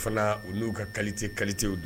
O fana u n'u ka kalilite kalitew dun